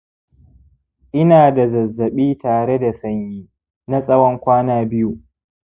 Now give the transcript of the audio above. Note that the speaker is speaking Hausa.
ina da zazzaɓi tare da sanyi na tsawon kwana biyu.